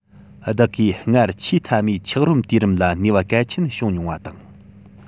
བདག གིས སྔར ཆེས མཐའ མའི འཁྱགས རོམ དུས རིམ ལ ནུས པ གལ ཆེན བྱུང མྱོང བ དང